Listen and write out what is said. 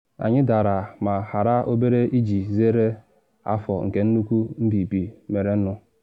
Anyị dara, ma ghara ohere iji zere afọ nke nnukwu mbibi merenụ.